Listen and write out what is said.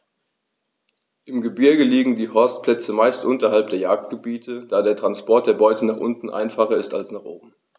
Im Gebirge liegen die Horstplätze meist unterhalb der Jagdgebiete, da der Transport der Beute nach unten einfacher ist als nach oben.